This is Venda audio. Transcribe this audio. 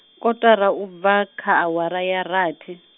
kotara ubva, kha awara ya rathi.